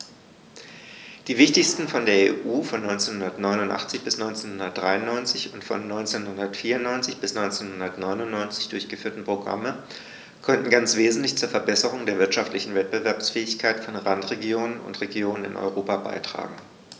Die wichtigsten von der EU von 1989 bis 1993 und von 1994 bis 1999 durchgeführten Programme konnten ganz wesentlich zur Verbesserung der wirtschaftlichen Wettbewerbsfähigkeit von Randregionen und Regionen in Europa beitragen.